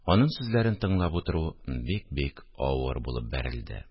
Аның сүзләрен тыңлап утыру бик-бик авыр булып бәрелде